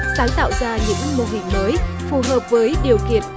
sáng tạo ra những mô hình mới phù hợp với điều kiện